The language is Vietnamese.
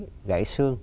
gãy xương